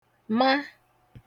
ma